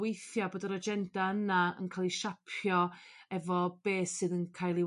weithia' bod yr agenda yna yn ca'l 'i siapio efo beth sydd yn cael ei